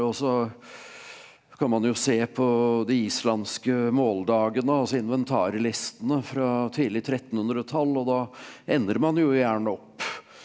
også kan man jo se på de islandske måldagene altså inventarlistene fra tidlig trettenhundretall og da ender man jo gjerne opp.